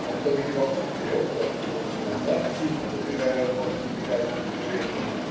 он то нагибался вперед, то откидывался назад, сильно подвигая лодку при каждом движении.